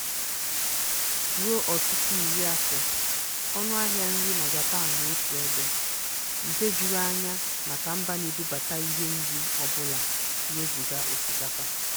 Ruo ọtụtụ iri afọ, ọnụahịa nri na Japan nọ otu ebe, nke juru anya maka mba na-ebubata ihe nri ọbụla wezuga osikapa.